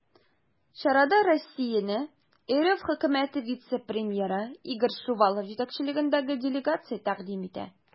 Чарада Россияне РФ Хөкүмәте вице-премьеры Игорь Шувалов җитәкчелегендәге делегация тәкъдим итә.